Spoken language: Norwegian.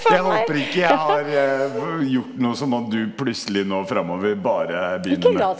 jeg håper ikke jeg har gjort noe så må du plutselig nå fremover bare begynne med.